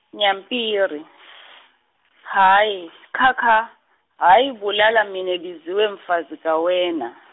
Nyampiri , Hayi kha kha, hhayi bulala mina biziwe mfazi kawena.